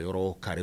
Yɔrɔw kari